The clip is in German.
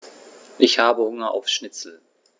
Ich habe Hunger auf Schnitzel.